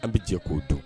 An bɛ jɛ k'o don